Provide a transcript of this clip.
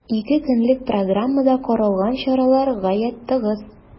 Ике көнлек программада каралган чаралар гаять тыгыз.